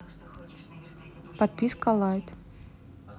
подписка лайт